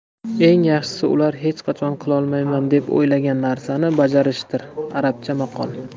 eng yaxshisi ular hech qachon qilolmayman deb o'ylagan narsani bajarishdir arabcha maqol